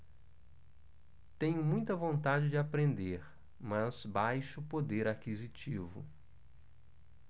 tenho muita vontade de aprender mas baixo poder aquisitivo